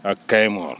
ak Kayemor